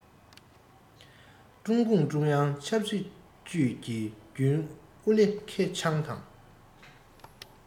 ཀྲུང གུང ཀྲུང དབྱང ཆབ སྲིད ཅུས ཀྱི རྒྱུན ཨུ ལི ཁེ ཆང དང